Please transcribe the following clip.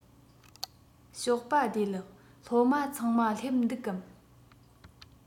ཞོགས པ བདེ ལེགས སློབ མ ཚང མ སླེབས འདུག གམ